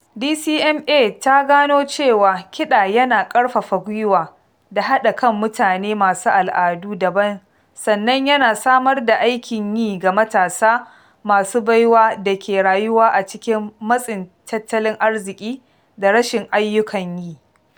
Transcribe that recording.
DCMA ta gano cewa kiɗa yana karfafa gwiwa da haɗa kan mutane masu al'adu dabam - sannan yana samar da aikin yi ga matasa masu baiwa da ke rayuwa a cikin matsin tattalin arziƙi da rashin aiyukan yi.